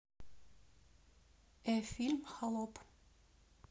э фильм холоп